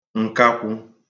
ǹkakwụ̄